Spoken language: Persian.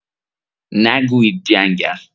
نگویید جنگ است!